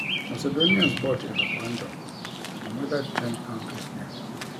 Macedonians vote in referendum on whether to change country's name